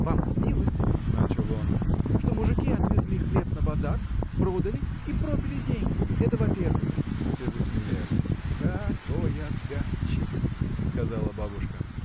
— Вам снилось, — начал он, — что мужики отвезли хлеб на базар, продали и пропили деньги. Это во-первых. Все засмеялись. — Какой отгадчик! — сказала бабушка.